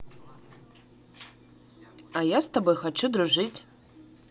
а я с тобой хочу дружить